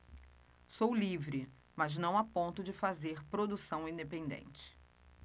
sou livre mas não a ponto de fazer produção independente